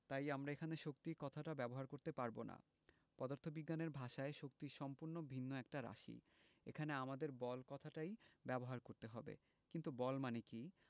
তাই আমরা এখানে শক্তি কথাটা ব্যবহার করতে পারব না পদার্থবিজ্ঞানের ভাষায় শক্তি সম্পূর্ণ ভিন্ন একটা রাশি এখানে আমাদের বল কথাটাই ব্যবহার করতে হবে কিন্তু বল মানে কী